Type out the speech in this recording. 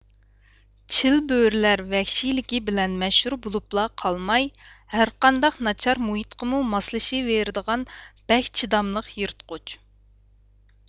چىلبۆرىلەر ۋەھشىيلىكى بىلەن مەشھۇر بولۇپلا قالماي ھەرقانداق ناچار مۇھىتقىمۇ ماسلىشىۋېرىدىغان بەك چىداملىق يىرتقۇچ